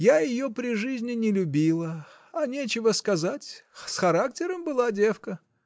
Я ее при жизни не любила, а нечего сказать, с характером была девка.